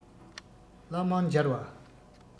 བླ མར མཇལ བ